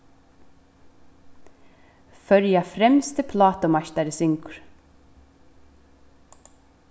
føroya fremsti plátumeistari syngur